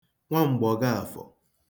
Nwam̀gbọ̀gọàfọ̀